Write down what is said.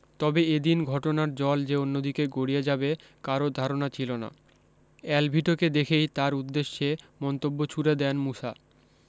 তবে এদিন ঘটনার জল যে অন্যদিকে গড়িয়ে যাবে কারও ধারণা ছিল না অ্যালভিটোকে দেখেই তার উদ্দেশ্যে মন্তব্য ছুড়ে দেন মুসা